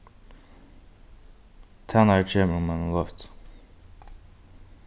tænari kemur um eina løtu